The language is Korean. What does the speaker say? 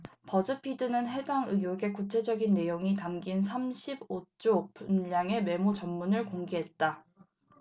버즈피드는 해당 의혹의 구체적 내용이 담긴 삼십 오 쪽 분량의 메모 전문을 공개했다